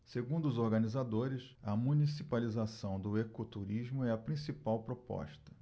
segundo os organizadores a municipalização do ecoturismo é a principal proposta